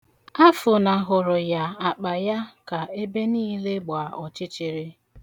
Afụnahuru ya akpa ya ka ebe niile gba ọchịchịrị.